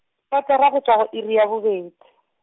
katara go tšwa go iri ya bobedi.